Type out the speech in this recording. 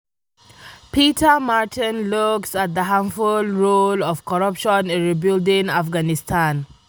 Peter Marton looks at the harmful role of corruption in rebuilding Afghanistan.